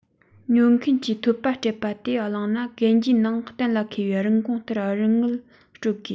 ཉོ མཁན གྱིས འཐོལ པ སྤྲད པ དེ བླངས ན གན རྒྱའི ནང གཏན ལ ཁེལ བའི རིན གོང ལྟར རིན དངུལ སྤྲོད དགོས